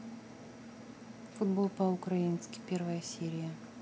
футбол по украински первая серия